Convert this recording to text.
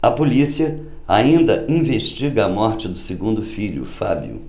a polícia ainda investiga a morte do segundo filho fábio